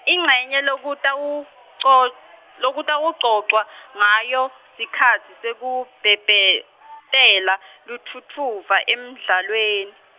incenye lekutawoco- lekutawucocwa ngayo, sikhatsi sekubhebhetsela lutfutfuva, emdlalweni.